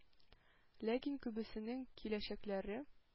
Ләкин күбесенең киләчәкләре